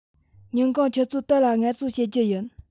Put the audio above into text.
ཉིན གུང ཆུ ཚོད དུ ལ ངལ གསོ བྱེད རྒྱུ ཡིན